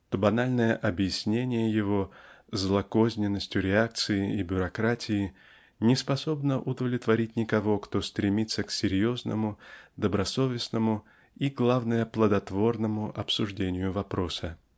то банальное "объяснение" его злокозненностью "реакции" и "бюрократии" неспособно удовлетворить никого кто стремится к серьезному добросовестному и главное плодотворному обсуждению вопроса.